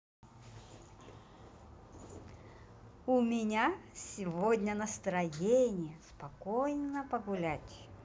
у меня сегодня настроение спокойно погулять